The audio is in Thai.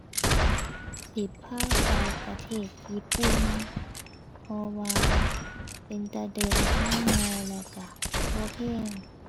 สิพาไปประเทศญี่ปุ่น เพราะว่าเป็นตาเดินทางง่าย แล้วก็บ่แพง